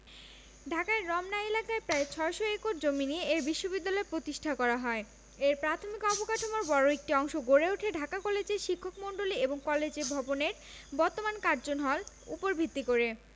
ঢাকার রমনা এলাকার প্রায় ৬০০ একর জমি নিয়ে এ বিশ্ববিদ্যালয় প্রতিষ্ঠা করা হয় এর প্রাথমিক অবকাঠামোর বড় একটি অংশ গড়ে উঠে ঢাকা কলেজের শিক্ষকমন্ডলী এবং কলেজ ভবনের বর্তমান কার্জন হল উপর ভিত্তি করে